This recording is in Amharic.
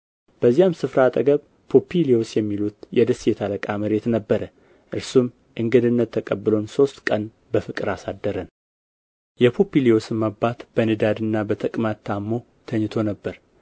በዚያም ስፍራ አጠገብ ፑፕልዮስ የሚሉት የደሴት አለቃ መሬት ነበረ እርሱም እንግድነት ተቀብሎን ሦስት ቀን በፍቅር አሳደረን የፑፕልዮስም አባት በንዳድና በተቅማጥ ታሞ ተኝቶ ነበር